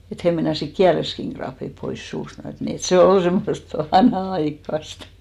että he meinasivat kielensäkin raappia pois suusta et niin että se oli semmoista vanhanaikaista